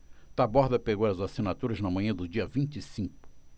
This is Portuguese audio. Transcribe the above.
taborda pegou as assinaturas na manhã do dia vinte e cinco